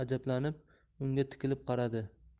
ajablanib unga tikilib qaradi